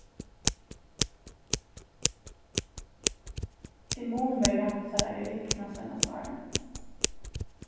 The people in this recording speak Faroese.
immunverja hansara er viknað seinastu árini